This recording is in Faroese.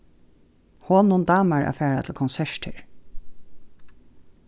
honum dámar at fara til konsertir